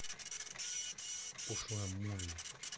пошлая молли